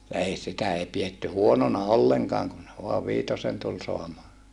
ja ei sitä ei pidetty huonona ollenkaan kun vain viitosen tuli saamaan